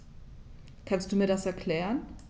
Kannst du mir das erklären?